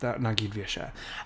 'Na 'na gyd fi ishe.